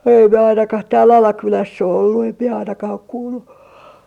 en minä ainakaan täällä Alakylässä ole ollut en minä ainakaan ole kuullut